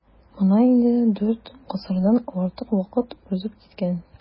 Моңа инде дүрт гасырдан артык вакыт узып киткән.